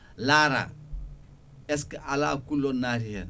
laara est ce que ala kullon naati hen